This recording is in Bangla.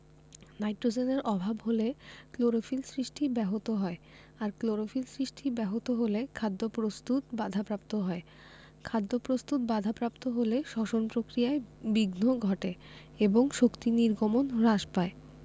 নাইট্রোজেনের অভাব হলে ক্লোরোফিল সৃষ্টি ব্যাহত হয় আর ক্লোরোফিল সৃষ্টি ব্যাহত হলে খাদ্য প্রস্তুত বাধাপ্রাপ্ত হয় খাদ্যপ্রস্তুত বাধাপ্রাপ্ত হলে শ্বসন প্রক্রিয়ায় বিঘ্ন ঘটে এবং শক্তি নির্গমন হ্রাস পায়